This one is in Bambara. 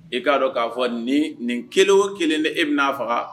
E k'a dɔn k'a fɔ nin nin kelen o kelen ni e bɛn'a faga